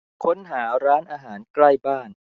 ค้นหาร้านอาหารใกล้บ้าน